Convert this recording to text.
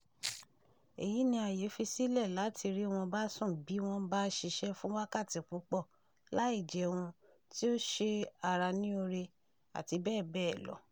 Èyí ni àyè fi sílẹ̀ láti lè rí wọn bá sùn bí wọn bá ń ṣiṣẹ́ fún wákàtí púpọ̀, láì jẹun tí ó ṣe ara ní oore, àti bẹ́ẹ̀ bẹ́ẹ̀ lọ.